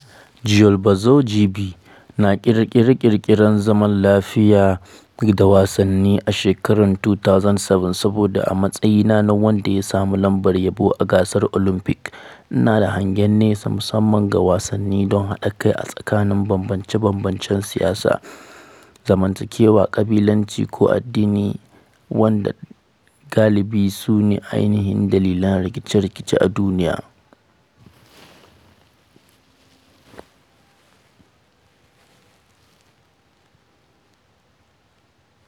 Joël Bouzou (JB): Na ƙirƙiri zaman lafiya da wasanni a shekara ta 2007 saboda, a matsayina na wanda ya samu lambar yabo a gasar Olympics, ina da hangen nesa musamman ga wasanni don haɗa kai a tsakanin bambance-bambancen siyasa, zamantakewa, kabilanci ko addini, waɗanda galibi sune ainihin dalilan rikice-rikice a duniya.